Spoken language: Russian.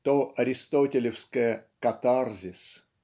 то аристотелевское "катарзис"